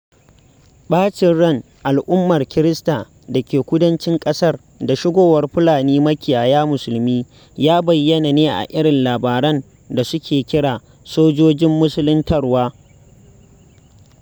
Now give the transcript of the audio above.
ɓacin ran al'ummar Kirista da ke kudancin ƙasar da shigowar Fulani makiyaya Musulmi ya bayyana ne a irin labaran da suke kira "Sojojin Musuluntarwa"